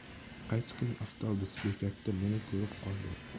qaysi kuni avtobus bekatida meni ko'rib qoldi